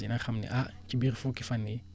dina xam ni ah ci biir fukki fan yii